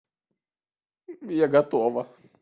я готова